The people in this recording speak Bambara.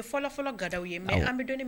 Fɔlɔ fɔlɔ gada ye